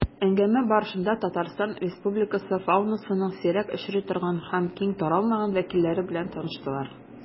Әңгәмә барышында Татарстан Республикасы фаунасының сирәк очрый торган һәм киң таралмаган вәкилләре белән таныштылар.